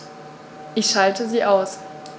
Ich schalte sie aus.